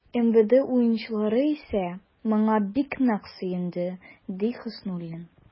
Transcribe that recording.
МВД уенчылары исә, моңа бик нык сөенде, ди Хөснуллин.